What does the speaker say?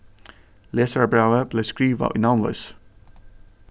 lesarabrævið bleiv skrivað í navnloysi